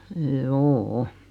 juu